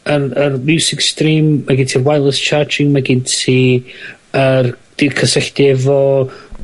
yr yr Music Stream. Mae gin ti y wireless charging, ma' gin ti yr di'r cysyllt efo